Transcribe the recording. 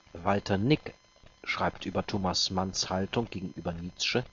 Walter Nigg schreibt über Thomas Manns Haltung gegenüber Nietzsche